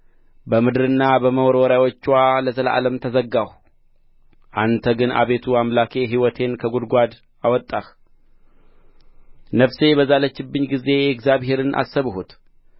በምድርና በመወርወሪያዎችዋ ለዘላለም ተዘጋሁ አንተ ግን አቤቱ አምላኬ ሕይወቴን ከጕድጓዱ አወጣህ ነፍሴ በዛለችብኝ ጊዜ እግዚአብሔርን አሰብሁት